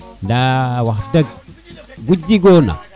nda wax deg wu jiguna